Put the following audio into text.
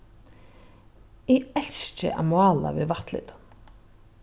eg elski at mála við vatnlitum